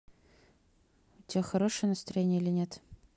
у тебя хорошее настроение или нет